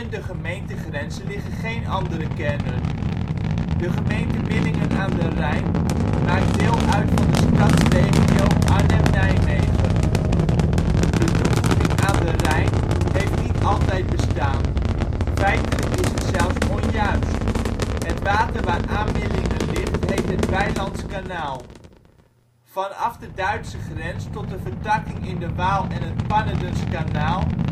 de gemeentegrenzen liggen geen andere kernen. De gemeente Millingen aan den Rijn maakt deel uit van de Stadsregio Arnhem-Nijmegen. De toevoeging " aan de Rijn " heeft niet altijd bestaan. Feitelijk is het zelfs onjuist. Het water waaraan Millingen ligt heet het Bijlandsch Kanaal. Vanaf de Duitse grens tot de vertakking in de Waal en het Pannerdensch Kanaal